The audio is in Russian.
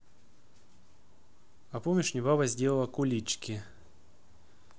а помнишь мне баба сделала кулички